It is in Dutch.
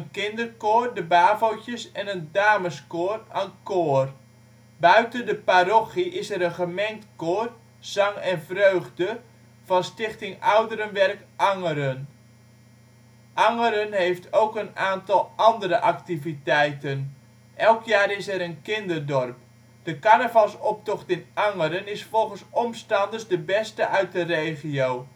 kinderkoor (" De Bavootjes ") en een dameskoor (" Encore "). Buiten de parochie is er het gemengd koor " Zang en Vreugde " van Stichting Ouderenwerk Angeren (SOWA). Angeren heeft ook nog een aantal andere activiteiten. Elk jaar is er een kinderdorp. De Carnavalsoptocht in Angeren is volgens omstanders de beste uit de regio